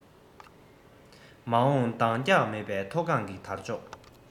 མ འོངས འདང རྒྱག མེད པའི མཐོ སྒང གི དར ལྕོག